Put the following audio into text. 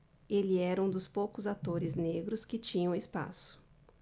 ele era um dos poucos atores negros que tinham espaço